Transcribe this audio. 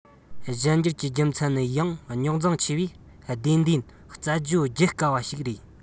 གཞན འགྱུར གྱི རྒྱུ མཚན ནི ཡང རྙོག འཛིང ཆེ བས བདེན འདེད རྩད གཅོད བགྱི དཀའ བ ཞིག ཡིན